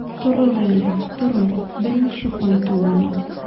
Торыр әле, торыр, беренче кайтуы бит.